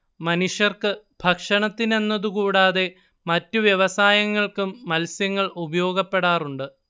മനുഷ്യർക്ക് ഭക്ഷണത്തിനെന്നതുകൂടാതെ മറ്റു വ്യവസായങ്ങൾക്കും മത്സ്യങ്ങൾ ഉപയോഗപ്പെടാറുണ്ട്